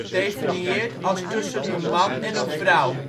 definieert als tussen een man en een vrouw